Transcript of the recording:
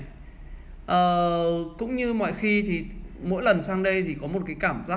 cũng như mọi khi mỗi lần sang đây đều có cảm giác